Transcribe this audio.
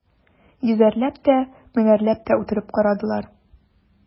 Йөзәрләп тә, меңәрләп тә үтереп карадылар.